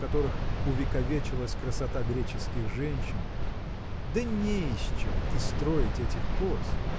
в которых увековечилась красота греческих женщин да не из чего и строить этих поз